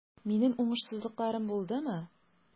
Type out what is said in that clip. Минем уңышсызлыкларым булдымы?